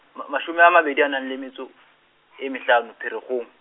ma mashome a mabedi a nang leng metso, e mehlano, Pherekgong.